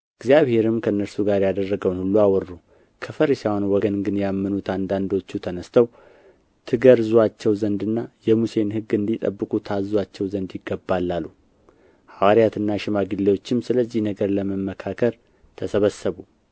እግዚአብሔርም ከእነርሱ ጋር ያደረገውን ሁሉ አወሩ ከፈሪሳውያን ወገን ግን ያመኑት አንዳንዶቹ ተነሥተው ትገርዙአቸው ዘንድና የሙሴን ሕግ እንዲጠብቁ ታዙአቸው ዘንድ ይገባል አሉ ሐዋርያትና ሽማግሌዎችም ስለዚህ ነገር ለመማከር ተሰበሰቡ